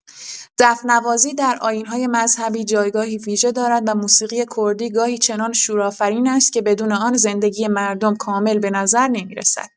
دف‌نوازی در آیین‌های مذهبی جایگاهی ویژه دارد و موسیقی کردی گاهی چنان شورآفرین است که بدون آن زندگی مردم کامل به نظر نمی‌رسد.